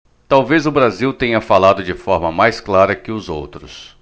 talvez o brasil tenha falado de forma mais clara que os outros